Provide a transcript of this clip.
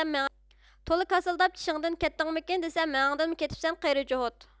تولا كاسىلداپ چىشىڭدىن كەتتىڭمىكىن دېسەم مېڭەڭدىنمۇ كېتىپسەن قېرى جوھوت